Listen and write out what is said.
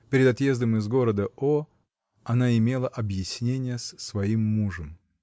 перед отъездом из города О. она имела объяснение с своим мужем.